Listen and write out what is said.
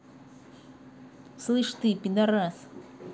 слышь ты пидарас